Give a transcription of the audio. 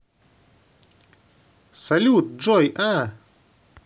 салют джой а